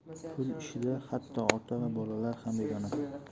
pul ishida hatto ota va bolalar ham begona